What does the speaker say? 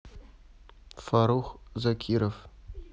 фаррух закиров